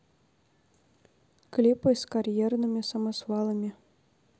клипы с карьерными самосвалами